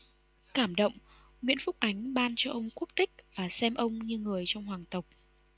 cảm động nguyễn phúc ánh ban cho ông quốc tính và xem ông như người trong hoàng tộc